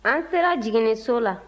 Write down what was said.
an sera jiginniso la